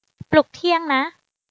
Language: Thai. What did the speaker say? ปลุกเที่ยงนะ